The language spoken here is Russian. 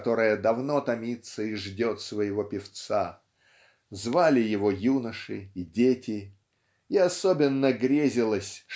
которая давно томится и ждет своего певца звали его юноши и дети. И особенно грезилось